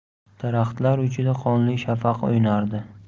daraxtlar uchida qonli shafaq o'ynardi